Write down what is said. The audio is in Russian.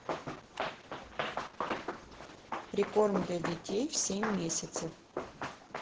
прикорм для детей в семь месяцев